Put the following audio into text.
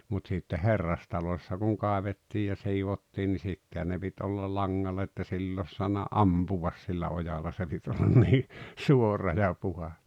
mutta sitten herrastalossa kun kaivettiin ja siivottiin niin sittenhän ne piti olla langalla että sillä olisi saanut ampua sillä ojalla se piti olla niin suora ja puhdas